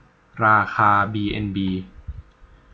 ราคาบีเอ็นบี